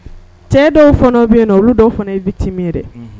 Cɛ dɔw fana bɛ yen na u olu dɔw fana ye biti mi dɛ